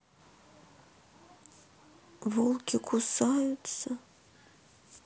волки кусаются